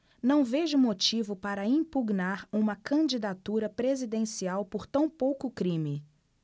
não vejo motivo para impugnar uma candidatura presidencial por tão pouco crime